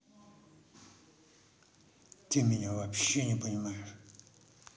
ты меня вообще не понимаешь